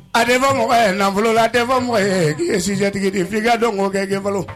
A tɛ mɔgɔ yee nafolo la aa tɛ fɔ mɔgɔ yee k'i ye sijɛtigidi f'i ka dɔnko kɛ i ka balo